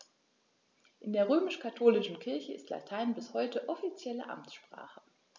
In der römisch-katholischen Kirche ist Latein bis heute offizielle Amtssprache.